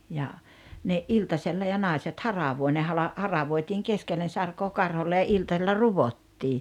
ja ne iltasella ja naiset haravoi ne - haravoitiin keskelle sarkaa karholle ja iltasella ruottiin